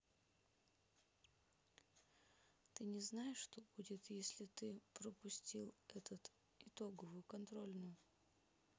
ты не знаешь что будет если ты пропустил этот итоговую контрольную